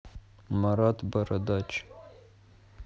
марат бородач